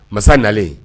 Masa nalen